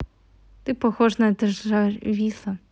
ты похож на джарвиса